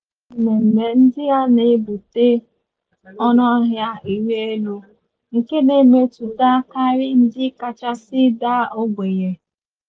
Ime ụdịdị mmemme ndị a na-ebute ọnụahịa ịrị elu, nke na-emetụta karị ndị kachasị daa ogbenye.